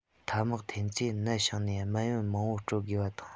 ཐ མག འཐེན ཚེ ནད བྱུང ནས སྨན ཡོན མང པོ སྤྲོད དགོས པ དང